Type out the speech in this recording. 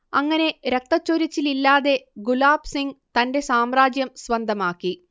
അങ്ങനെ രക്തച്ചൊരിച്ചിലില്ലാതെ ഗുലാബ് സിങ് തന്റെ സാമ്രാജ്യം സ്വന്തമാക്കി